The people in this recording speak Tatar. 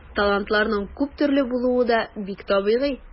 Талантларның күп төрле булуы да бик табигый.